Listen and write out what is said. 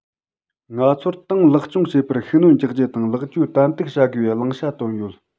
ང ཚོར ཏང ལེགས སྐྱོང བྱེད པར ཤུགས སྣོན རྒྱག རྒྱུ དང ལེགས བཅོས ཏན ཏིག བྱ དགོས པའི བླང བྱ བཏོན ཡོད